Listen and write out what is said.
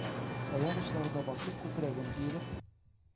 Аяк очларына басып, күкрәген киереп,